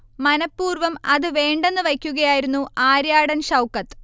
മനപ്പൂർവ്വം അത് വേണ്ടെന്ന് വയ്ക്കുകയായിരുന്നു ആര്യാടൻ ഷൗക്കത്ത്